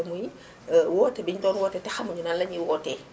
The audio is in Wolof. muy woote bi ñu doon woote te xamuñu nan la ñuy wootee